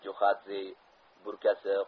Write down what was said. jo'xadze burkasi